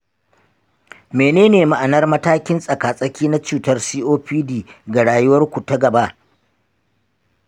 menene ma'anar matakin tsaka-tsaki na cutar copd ga rayuwarku ta gaba?